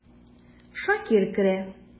Шакир керә.